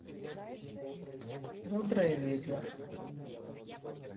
добрая ведьма